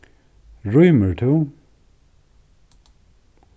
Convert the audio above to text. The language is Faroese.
rýmir tú